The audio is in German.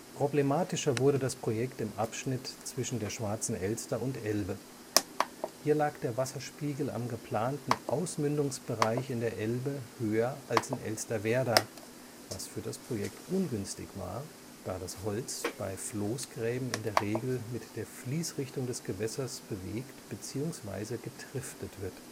Problematischer wurde das Projekt im Abschnitt zwischen der Schwarzen Elster und Elbe. Hier lag der Wasserspiegel am geplanten Ausmündungsbereich in der Elbe höher als in Elsterwerda, was für das Projekt ungünstig war, da das Holz bei Floßgräben in der Regel mit der Fließrichtung des Gewässers bewegt beziehungsweise getriftet wird